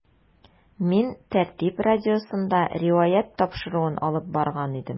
“мин “тәртип” радиосында “риваять” тапшыруын алып барган идем.